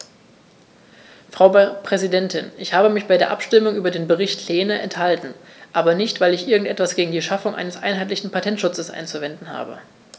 Frau Präsidentin, ich habe mich bei der Abstimmung über den Bericht Lehne enthalten, aber nicht, weil ich irgend etwas gegen die Schaffung eines einheitlichen Patentschutzes einzuwenden habe.